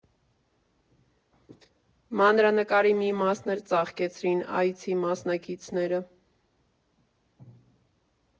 Մանրանկարի մի մասն էլ ծաղկեցրին այցի մասնակիցները։